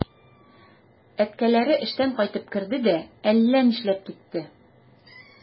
Әткәләре эштән кайтып керде дә әллә нишләп китте.